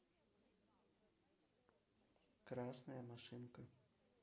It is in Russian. красная машинка